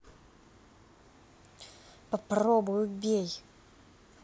попробуй убей